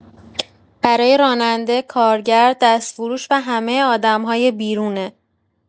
برای راننده، کارگر، دستفروش و همه آدم‌های بیرونه.